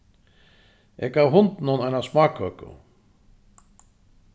eg gav hundinum eina smákøku